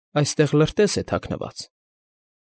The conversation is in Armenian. Այստեղ լրտես է թաքնված։